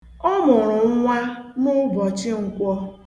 Ọ mụrụ nwa n'ụbọchị Nkwọ.